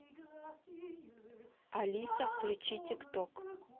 алиса включи тик ток